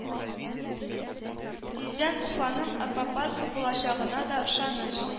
Тиздән уфаның аквапаркы булачагына да ышаныч